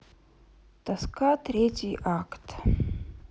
тоска третий акт